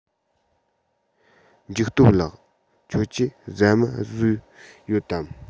འཇིགས སྟོབས ལགས ཁྱོད ཀྱིས ཟ མ ཟོས ཡོད དམ